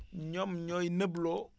ñoom ñooy nëbloo